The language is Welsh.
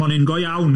Mo'n i'n go iawn.